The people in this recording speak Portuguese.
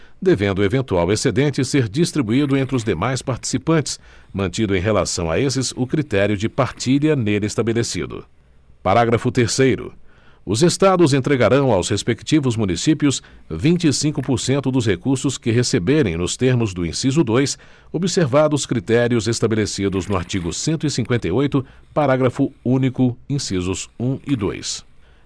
devendo o eventual excedente ser distribuído entre os demais participantes mantido em relação a esses o critério de partilha nele estabelecido parágrafo terceiro os estados entregarão aos respectivos municípios vinte e cinco por cento dos recursos que receberem nos termos do inciso dois observados critérios estabelecidos no artigo cento e cinquenta e oito parágrafo único incisos um e dois